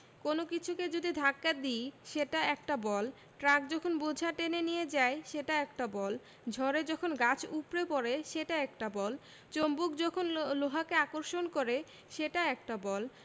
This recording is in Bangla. কোনো কিছুকে যদি ধাক্কা দিই সেটা একটা বল ট্রাক যখন বোঝা টেনে নিয়ে যায় সেটা একটা বল ঝড়ে যখন গাছ উপড়ে পড়ে সেটা একটা বল চুম্বক যখন লোহাকে আকর্ষণ করে সেটা একটা বল